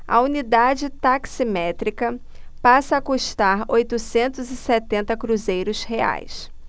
a unidade taximétrica passa a custar oitocentos e setenta cruzeiros reais